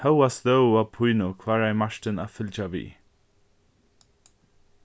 hóast støðuga pínu kláraði martin at fylgja við